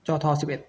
จอทอสิบเอ็ด